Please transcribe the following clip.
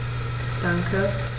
Danke.